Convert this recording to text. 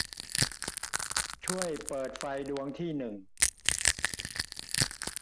ช่วยเปิดไฟดวงที่หนึ่ง